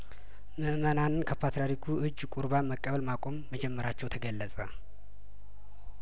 ምእመናን ከፓትርያርኩ እጅ ቁርባን መቀበልን ማቆም መጀመራቸው ተገለጸ